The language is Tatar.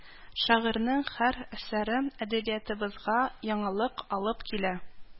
Шагыйрьнең һәр әсәре әдәбиятыбызга яңалык алып килә